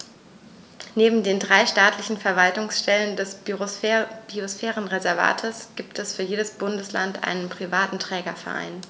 Neben den drei staatlichen Verwaltungsstellen des Biosphärenreservates gibt es für jedes Bundesland einen privaten Trägerverein.